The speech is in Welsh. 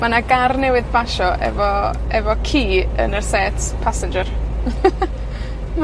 Ma' 'na gar newydd basio efo efo ci yn y sêt passenger.